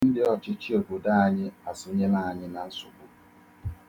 Ndị ọchịchị obodo anyị asụnyela anyị na nsogbu.